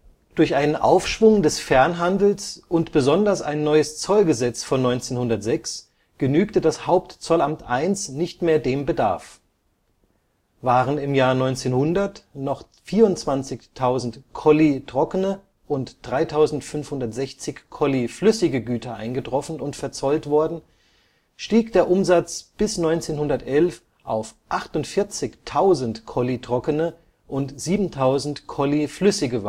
Durch einen Aufschwung des Fernhandels und besonders ein neues Zollgesetz von 1906 genügte das Hauptzollamt I nicht mehr dem Bedarf. Waren 1900 noch 24.000 Kolli trockene und 3560 Kolli flüssige Güter eingetroffen und verzollt worden, stieg der Umsatz bis 1911 auf 48.000 Kolli trockene und 7000 Kolli flüssige